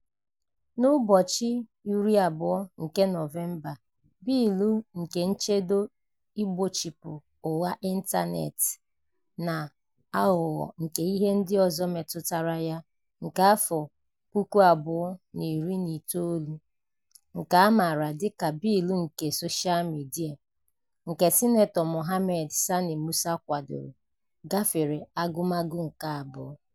N'ụbọchị 20 nke Nọvemba, Bịịlụ nke Nchedo Igbochipụ Ụgha Ịntaneetị na Aghụghọ nke Ihe Ndị Ọzọ Metụtara Ya nke 2019, nke a maara dị ka "bịịlụ nke soshaa midịa", nke Sinetọ Mohammed Sani Musa kwadoro, gafere agụmagụ nke abụọ.